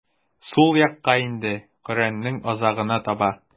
Сул якка инде, Коръәннең азагына таба.